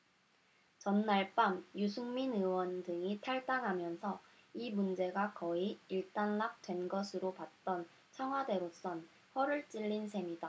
전날 밤 유승민 의원 등이 탈당하면서 이 문제가 거의 일단락된 것으로 봤던 청와대로선 허를 찔린 셈이다